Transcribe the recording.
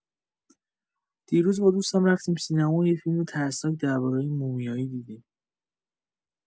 دیروز با دوستم رفتیم سینما و یه فیلم ترسناک دربارۀ مومیایی دیدیم.